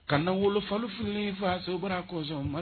Kana wolofa lu fili faaso baara kɔsɔn ma